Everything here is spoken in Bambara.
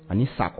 Ani ni sakɔ